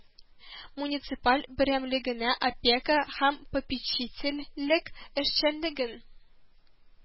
Муниципаль берәмлегенә опека һәм попечитель лек эшчәнлеген